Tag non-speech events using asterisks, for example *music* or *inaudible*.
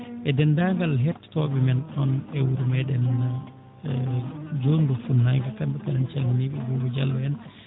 e deenndaangal hettotoo ɓe men ɗoon e wuro meeɗen *hesitation* Dondou fuɗnaange kamɓe kala en calminii ɓe Boubou Diallo en